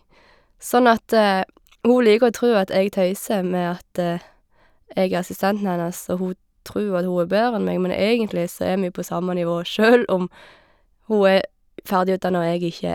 Sånn at hun liker å tro at jeg tøyser med at jeg er assistenten hennes, og hun tror at hun er bedre enn meg, men egentlig så er vi på samme nivå, sjøl om hun er ferdigutdanna og jeg ikke.